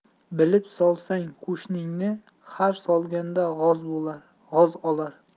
bilib solsang qushingni har solganda g'oz olar